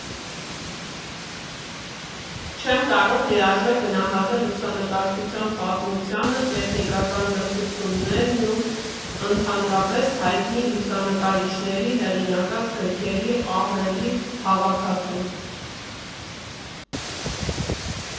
Չեմ կարող լիարժեք գնահատել լուսանկարչության պատմությանը, տեխնիկական նրբություններն ու ընդհանրապես հայտնի լուսանկարիչների հեղինակած գրքերի ահռելի հավաքածուն։